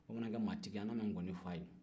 bamanankɛ maatigi an nana nkɔni f'a ye